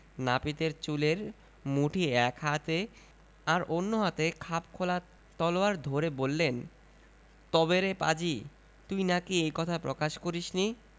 নাপিতের চুলের মুঠি এক হাতে আর অন্য হাতে খাপ খোলা তরোয়াল ধরে বললেন– তবে রে পাজি তুই নাকি এ কথা প্রকাশ করিসনি